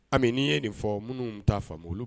A n'i ye nin fɔ minnu ta faamu olu